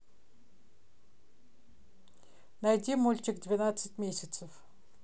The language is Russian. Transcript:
найди мультик двенадцать месяцев